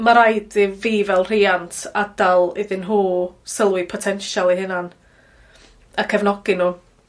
ma' raid i fi fel rhiant adal iddyn nhw sylwi potensial eu hunan. A cefnogi n'w.